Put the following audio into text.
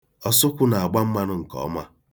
Ọsụkwụ na-agba mmanụ nke ọma.